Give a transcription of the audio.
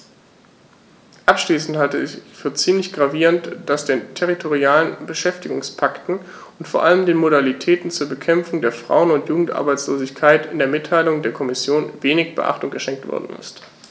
Abschließend halte ich es für ziemlich gravierend, dass den territorialen Beschäftigungspakten und vor allem den Modalitäten zur Bekämpfung der Frauen- und Jugendarbeitslosigkeit in der Mitteilung der Kommission wenig Beachtung geschenkt worden ist.